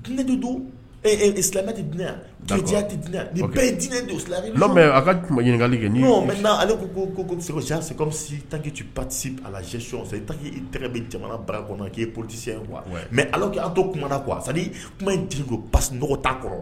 Tɛnɛn de do silamɛti d yan gariya tɛ di yan bɛɛ ye dinen don silamɛ mɛ a ka kuma ɲininkakali kɛ mɛ ale ko ko se sise si takisi alacɔn sa i tɛgɛ bɛ jamana bara kɔnɔ k'e p tɛsi wa mɛ ala k' to kumaumana ko a sa kuma in di ko pa dɔgɔta kɔrɔ